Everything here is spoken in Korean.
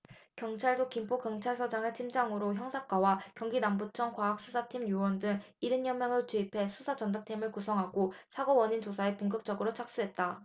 경찰도 김포경찰서장을 팀장으로 형사과와 경기남부청 과학수사팀 요원 등 일흔 여명을 투입해 수사 전담팀을 구성하고 사고 원인 조사에 본격적으로 착수했다